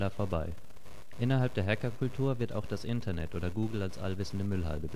vorbei. Innerhalb der Hackerkultur wird auch das Internet oder Google als ‚ Allwissende Müllhalde